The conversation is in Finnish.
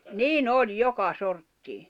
niin oli joka sorttia